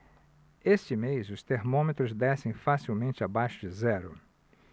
este mês os termômetros descem facilmente abaixo de zero